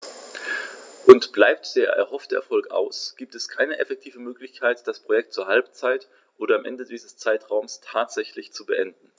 Und bleibt der erhoffte Erfolg aus, gibt es keine effektive Möglichkeit, das Projekt zur Halbzeit oder am Ende dieses Zeitraums tatsächlich zu beenden.